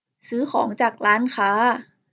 ซื้อของจากร้านค้า